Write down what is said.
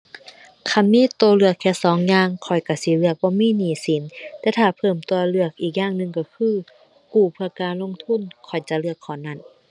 คันมีตัวเลือกแค่สองอย่าง ข้อยตัวสิเลือกบ่มีหนี้สิน แต่ถ้าเพิ่มตัวเลือกอีกอย่างหนึ่งตัวคือ กู้เพื่อการลงทุน ข้อยจะเลือกข้อนั้น